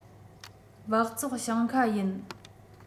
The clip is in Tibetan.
སྦགས བཙོག ཞིང ཁ ཡིན